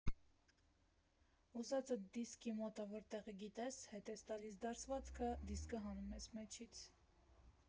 Ուզածդ դիսկի մոտավոր տեղը գիտես՝ հետ ես տալիս դարսվածքը, դիսկը հանում ես մեջից։